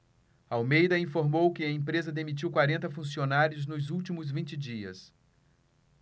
almeida informou que a empresa demitiu quarenta funcionários nos últimos vinte dias